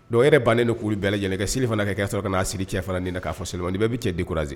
Dɔw yɛrɛ bannen don kulu bɛɛ lajɛlen ka seli fana ka kɛ sɔrɔ n'a seli cɛ fana ni k'a fɔ seli bɛɛ bɛ cɛ dekurase